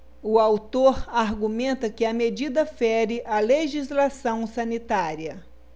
o autor argumenta que a medida fere a legislação sanitária